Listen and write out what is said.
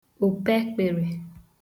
òpè ekpị̀rị